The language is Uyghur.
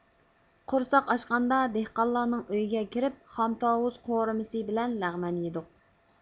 قورساق ئاچقاندا دېھقانلارنىڭ ئۆيىگە كىرىپ خام تاۋۇز قورۇمىسى بىلەن لەغمەن يېدۇق